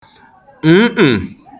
mmm̀